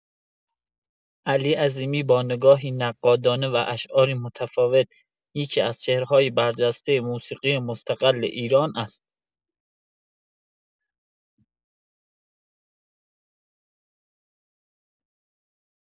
علی عظیمی با نگاهی نقادانه و اشعاری متفاوت، یکی‌از چهره‌های برجسته موسیقی مستقل ایران است.